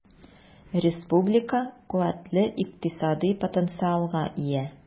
Республика куәтле икътисади потенциалга ия.